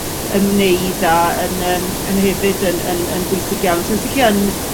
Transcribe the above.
ymwneud â yn yym yn hefyd yn yn yn bwysig iawn. So os 'ych chi yn